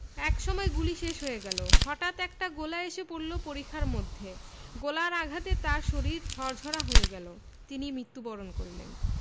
একসময় গুলি শেষ হয়ে গেল হটাঠ একটা গোলা এসে পড়ল পরিখার মধ্যে গোলার আঘাতে তার শরীর ঝরঝরা হয়ে গেল তিনি মৃত্যুবরণ করলেন